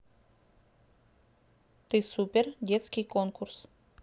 ты супер детский конкурс